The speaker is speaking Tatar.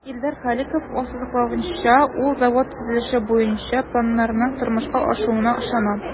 Илдар Халиков ассызыклавынча, ул завод төзелеше буенча планнарның тормышка ашуына ышана.